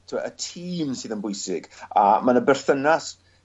t'wo' y tîm sydd yn bwysig a ma' 'na berthynas